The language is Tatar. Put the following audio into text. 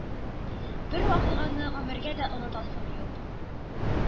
Бер вакыйганы гомергә дә онытасым юк.